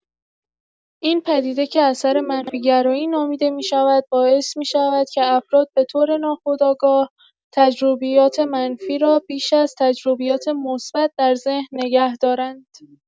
این پدیده که اثر منفی‌گرایی نامیده می‌شود، باعث می‌شود که افراد به‌طور ناخودآگاه، تجربیات منفی را بیش از تجربیات مثبت در ذهن نگه دارند.